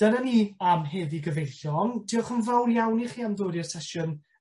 dyna ni am heddi gyfeillion. Diolch yn fowr iawn i chi am dod i'r sesiwn